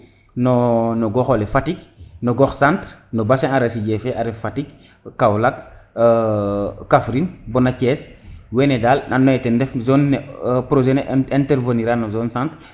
no no goxole Fatick no gox centre no bassin arachidier fe a ref Fatick Kaolack Kaffrine bona Thies wene dal and naye den ndef zone ne projet ne intervenir a no zone centre